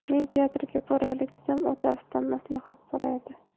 men teatrga boraylik desam otasidan maslahat so'raydi